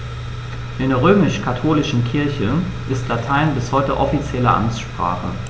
In der römisch-katholischen Kirche ist Latein bis heute offizielle Amtssprache.